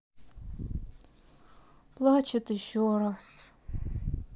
плачет еще раз